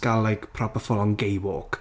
gael like proper full on gay walk.